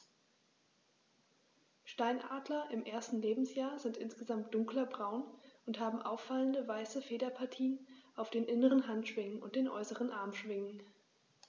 Steinadler im ersten Lebensjahr sind insgesamt dunkler braun und haben auffallende, weiße Federpartien auf den inneren Handschwingen und den äußeren Armschwingen.